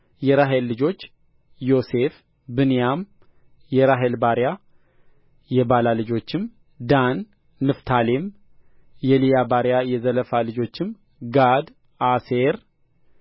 የራሔል ልጆች ዮሴፍ ብንያም የራሔል ባርያ የባላ ልጆችም ዳን ንፍታሌም የልያ ባሪያ የዘለፋ ልጆችም ጋድ አሴር